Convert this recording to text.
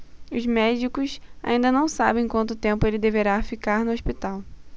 os médicos ainda não sabem quanto tempo ele deverá ficar no hospital